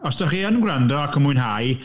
Os dach chi yn gwrando ac yn mwynhau...